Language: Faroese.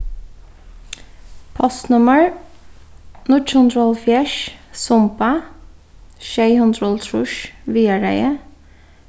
postnummur níggju hundrað og hálvfjerðs sumba sjey hundrað og hálvtrýss viðareiði